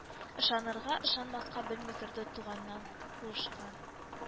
Ышанырга-ышанмаска белми торды туганнан туышкан